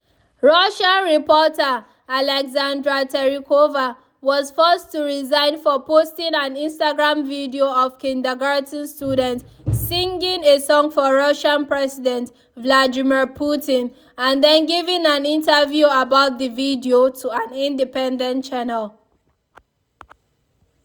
Russian reporter Alexandra Terikova was forced to resign for posting an Instagram video of kindergarten students singing a song for Russian President Vladimir Putin and then giving an interview about the video to an independent channel.